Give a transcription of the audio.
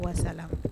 Wa sala